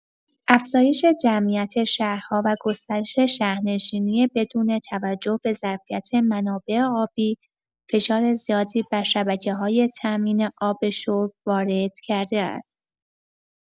افزایش جمعیت شهرها و گسترش شهرنشینی بدون توجه به ظرفیت منابع آبی، فشار زیادی بر شبکه‌های تأمین آب شرب وارد کرده است.